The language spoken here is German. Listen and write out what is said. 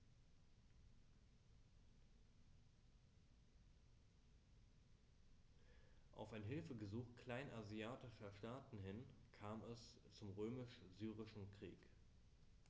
Auf ein Hilfegesuch kleinasiatischer Staaten hin kam es zum Römisch-Syrischen Krieg.